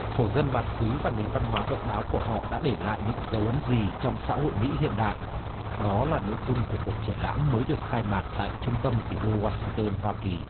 thổ dân bản xứ và nền văn hóa độc đáo của họ đã để lại những dấu ấn gì trong xã hội mỹ hiện đại đó là nội dung của cuộc triển lãm mới được khai mạc tại trung tâm thủ đô goa sing tơn hoa kỳ